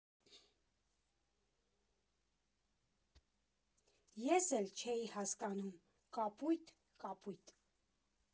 Ես էլ չէի հասկանում՝ կապույտ, կապույտ.